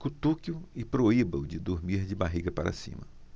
cutuque-o e proíba-o de dormir de barriga para cima